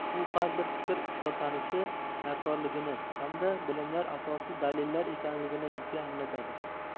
u har bir fikr isbotlanishi darkorligini hamda bilimlar asosi dalillar ekanligini bizga anglatadi